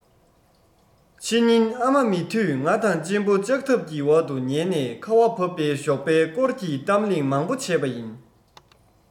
ཕྱི ཉིན ཨ མ མེད དུས ང དང གཅེན པོ ལྕགས ཐབ ཀྱི འོག ཏུ ཉལ ནས ཁ བ བབས པའི ཞོགས པའི སྐོར གྱི གཏམ གླེང མང པོ བྱས པ ཡིན